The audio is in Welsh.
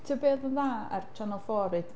Ti'n gwbod beth oedd yn dda ar Channel 4 'fyd?